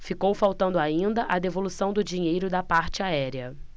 ficou faltando ainda a devolução do dinheiro da parte aérea